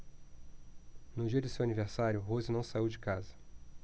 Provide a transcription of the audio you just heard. no dia de seu aniversário rose não saiu de casa